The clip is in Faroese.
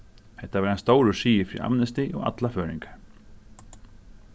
hetta var ein stórur sigur fyri amnesty og allar føroyingar